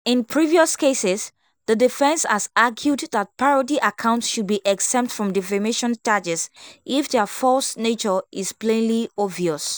In previous cases, the defense has argued that parody accounts should be exempt from defamation charges if their false nature is plainly obvious.